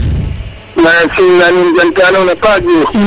maxey sim na nuun sante a nuuna paax Diouf